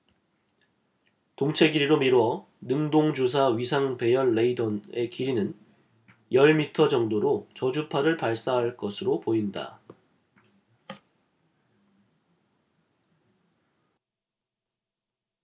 동체 길이로 미뤄 능동주사 위상 배열 레이더의 길이는 열 미터 정도로 저주파 를 발사할 것으로 보인다